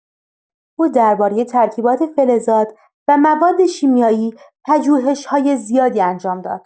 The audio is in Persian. او درباره ترکیبات، فلزات و مواد شیمیایی پژوهش‌‌های زیادی انجام داد.